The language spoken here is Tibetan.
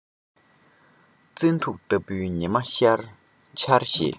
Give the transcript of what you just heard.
བཙན དུག ལྟ བུའི ཉི མ འཆར ཞེས